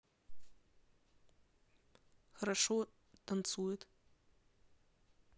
хорошо танцует